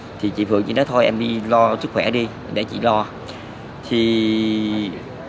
rồi chị phượng chị nói thôi em đi lo sức khỏe đi để chị lo thì